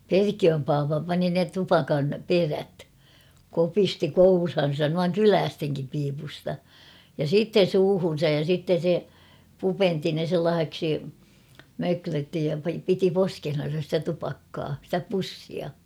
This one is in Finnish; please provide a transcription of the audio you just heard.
Perkiön pappa pani ne tupakan perät kopisti kouraansa noin kyläistenkin piipusta ja sitten suuhunsa ja sitten se pupenti ne sellaiseksi möklötti ja piti poskessaan sitä tupakkaa sitä pussia